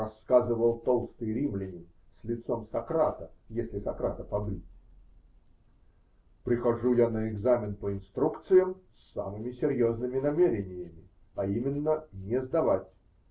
Рассказывал толстый римлянин с лицом Сократа, если Сократа побрить: -- Прихожу я на экзамен по инструкциям, с самыми серьезными намерениями, а именно -- не сдавать.